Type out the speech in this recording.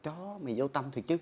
chó mày dô tâm thiệt chứ